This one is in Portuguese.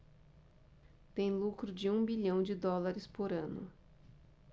tem lucro de um bilhão de dólares por ano